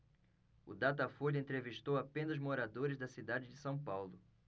o datafolha entrevistou apenas moradores da cidade de são paulo